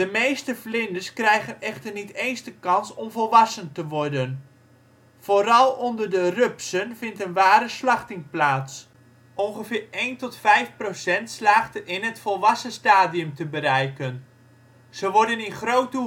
meeste vlinders krijgen echter niet eens de kans om volwassen te worden; vooral onder de rupsen vindt een ware slachting plaats. Ongeveer 1 tot 5 procent slaagt erin het volwassen stadium te bereiken. Ze worden in grote